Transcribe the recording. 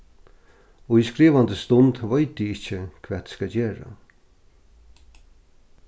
í skrivandi stund veit eg ikki hvat eg skal gera